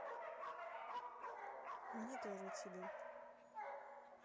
мне тоже тебе